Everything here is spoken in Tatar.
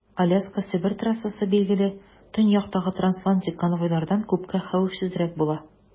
Аляска - Себер трассасы, билгеле, төньяктагы трансатлантик конвойлардан күпкә хәвефсезрәк була.